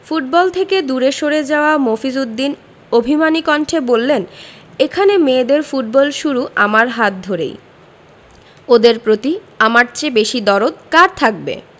football থেকে দূরে সরে যাওয়া মফিজ উদ্দিন অভিমানী কণ্ঠে বললেন এখানে মেয়েদের ফুটবল শুরু আমার হাত ধরেই ওদের প্রতি আমার চেয়ে বেশি দরদ কার থাকবে